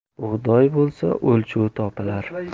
bug'doy bo'lsa o'lchov topilar